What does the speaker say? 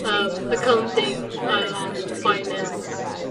Yym accounting and finance.